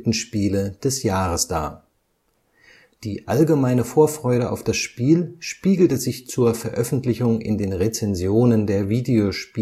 Spiele des Jahres dar. Die allgemeine Vorfreude auf das Spiel spiegelte sich zur Veröffentlichung in den Rezensionen der Videospielportale wider